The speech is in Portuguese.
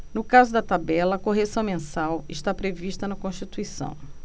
no caso da tabela a correção mensal está prevista na constituição